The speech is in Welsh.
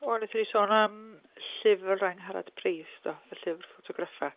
Wel wnaethon ni sôn am llyfr Angharad Price do? Y llyfr ffotograffau.